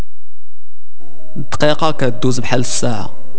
بطاقه دوز محل الساعه